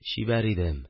Чибәр идем